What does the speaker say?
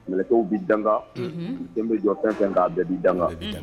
Kɛlɛkaw bɛ dan denmisɛnbe jɔ fɛnfɛn k'a bɛɛ b bɛ dan